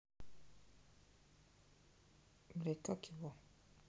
блядь как его